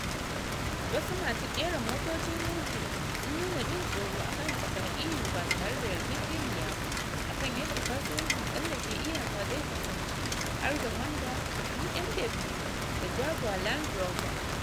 Wasu masu kera motocin UK sun nuna jin tsoro akan fita EU ba tare da yarjejniya ba akan yadda kasuwancin tsallaken iyaka zai kasance, har da Honda, BMW da Jaguar Land Rover.